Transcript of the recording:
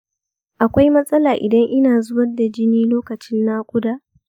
akwai matsala idan ina zubar da jini lokacin naƙuda?